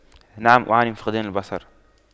نعم أعاني من فقدان البصر